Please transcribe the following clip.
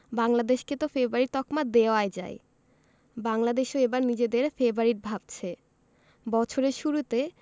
বাংলাদেশকে তো ফেবারিট তকমা দেওয়াই যায় বাংলাদেশও এবার নিজেদের ফেবারিট ভাবছে বছরের শুরুতে